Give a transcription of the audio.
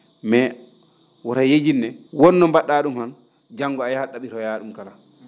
mais wora yejit ne won no mba??aa ?um han janngo a yahat ?a?iroyaa ?um kala?